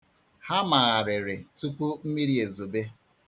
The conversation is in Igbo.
Ha magharịrị tupu mmiri ezobe.